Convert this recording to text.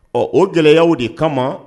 Ɔ o gɛlɛyaw de kama